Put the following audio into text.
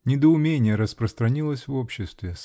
Недоумение распространилось в обществе.